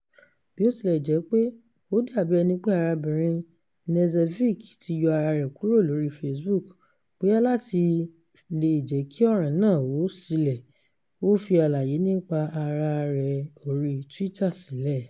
Bíótilẹ̀jẹ́pé ó dàbí ẹni pé arábìnrin Knežević ti yọ ara rẹ̀ kúrò lórí Facebook, bóyá láti lè jẹ́ kí ọ̀ràn náà ó silẹ̀, ó fi àlàyé-nípa-ara rẹ̀ orí Twitter sílẹ̀.